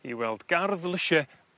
i weld gardd lysie